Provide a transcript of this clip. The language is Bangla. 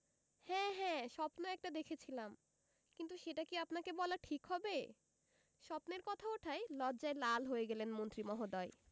হ্যাঁ হ্যাঁ স্বপ্ন একটা দেখেছিলাম কিন্তু সেটা কি আপনাকে বলা ঠিক হবে স্বপ্নের কথা ওঠায় লজ্জায় লাল হয়ে গেলেন মন্ত্রী মহোদয়